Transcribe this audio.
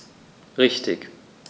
Richtig